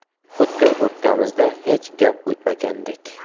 xuddi o'rtamizda hech gap o'tmagandek